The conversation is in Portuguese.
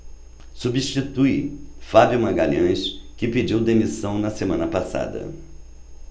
substitui fábio magalhães que pediu demissão na semana passada